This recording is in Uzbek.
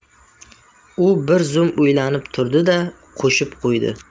u bir zum o'ylanib turdi da qo'shib qo'ydi